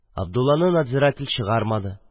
Абдулланы надзиратель чыгармады